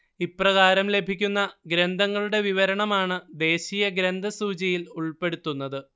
ഇപ്രകാരം ലഭിക്കുന്ന ഗ്രന്ഥങ്ങളുടെ വിവരണമാണ് ദേശീയ ഗ്രന്ഥസൂചിയിൽ ഉൾപ്പെടുത്തുന്നത്